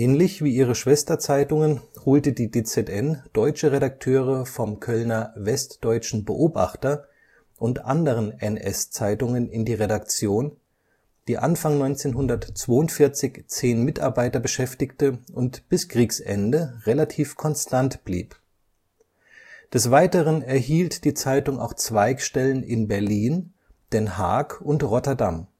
Ähnlich wie ihre Schwesterzeitungen holte die DZN deutsche Redakteure vom Kölner Westdeutschen Beobachter und anderen NS-Zeitungen in die Redaktion, die Anfang 1942 zehn Mitarbeiter beschäftigte und bis Kriegsende relativ konstant blieb; des Weiteren erhielt die Zeitung auch Zweigstellen in Berlin, Den Haag und Rotterdam